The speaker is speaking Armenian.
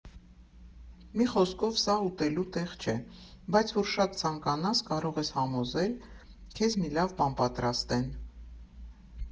Մի խոսքով, սա «ուտելու տեղ» չէ, բայց որ շատ ցանկանաս, կարող ես համոզել՝ քեզ մի լավ բան պատրաստեն։